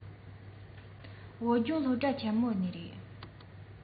བོད ལྗོངས སློབ གྲྭ ཆེན མོ ནས རེད